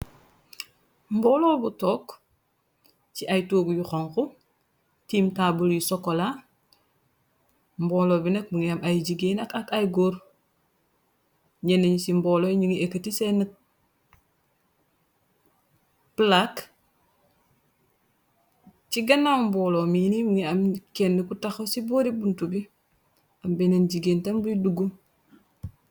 Mboolo bu toog, ci ay toogu yu honku tiim taabl yu sokola. Mboolo bi nekk mungi am ay jigéenak ak ay góor ñenn yi ci mboolo ñu ngi ekk ti seen plage. Chi ganaaw mboolo miini mungi am kenn ku tahaw ci boori buntu bi. Am benéen jigéentam bi duggu.